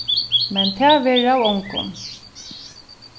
men tað verður av ongum